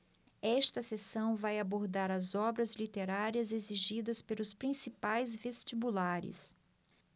esta seção vai abordar as obras literárias exigidas pelos principais vestibulares